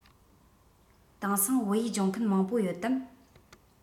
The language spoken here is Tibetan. དེང སང བོད ཡིག སྦྱོང མཁན མང པོ ཡོད དམ